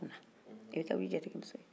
ayi an famana n nan'i lajɛ de